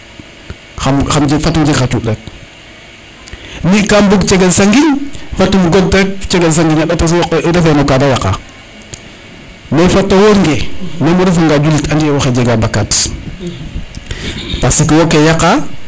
xam fat im jeg xa cuuɗ rek mi kam bug cegel sa ŋiñ fat im god rek cegel sa ngiñ a ndates refe no ka de yaqa mais fata woor nge meme o refa nga julit andi ye waxey jega bakad parce que wo ke o yaqa